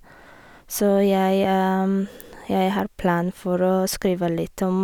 Så jeg jeg har plan for å skrive litt om...